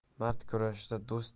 mard kurashda do'st